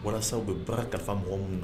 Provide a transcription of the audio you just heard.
Bɔrasaw bɛ baara kalifa mɔgɔw minnu na